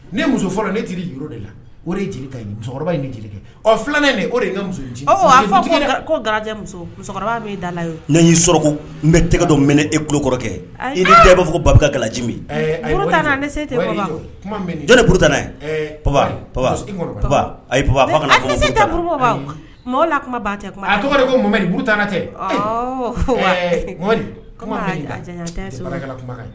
Ni muso fɔlɔ ne n'i n bɛ tɛgɛ dɔ minɛ e tulo i b'a fɔ babajimi